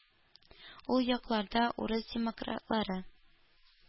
Ул якларда да урыс демократлары